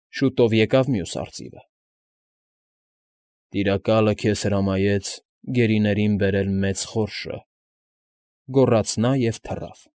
Շուտով երկավ մյուս արծիվը։ ֊ Տիրակալաը քեզ հրամայեց գերիներին բերել Մեծ Խորշը,֊ գոռաց նա և թռավ։